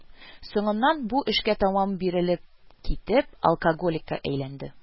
Соңыннан, бу эшкә тәмам бирелеп китеп, алкоголикка әйләнде